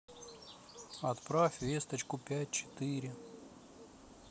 отправь весточку пять четыре